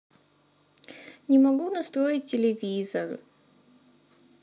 не могу настроить телевизор